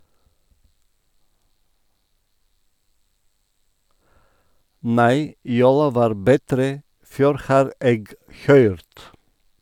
Nei, jola var betre før har eg høyrt.